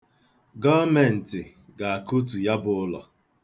Gọọmentị ga-akụtu ya bụ ulọ.